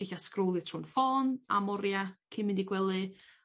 eilai sgrowlio trw'n ffôn a moria cyn mynd i gwely